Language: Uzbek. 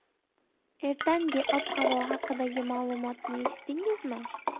ertangi ob havo haqidagi ma'lumotni eshitdingizmi